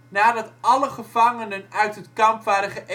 Nadat alle gevangenen uit het kamp waren